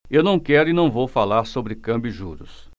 eu não quero e não vou falar sobre câmbio e juros